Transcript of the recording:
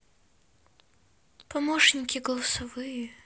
помощники голосовые